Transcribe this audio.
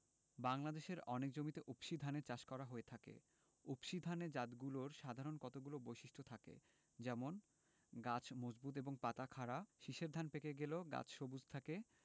বাংলাদেশের অনেক জমিতে উফশী ধানের চাষ করা হয়ে থাকে উফশী ধানের জাতগুলোর সাধারণ কতগুলো বৈশিষ্ট্য থাকে যেমনঃ ⦁ গাছ মজবুত এবং পাতা খাড়া ⦁ শীষের ধান পেকে গেলেও গাছ সবুজ থাকে